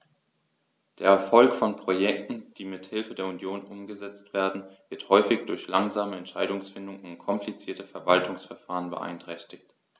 Der Erfolg von Projekten, die mit Hilfe der Union umgesetzt werden, wird häufig durch langsame Entscheidungsfindung und komplizierte Verwaltungsverfahren beeinträchtigt.